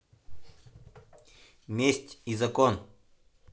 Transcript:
месть и закон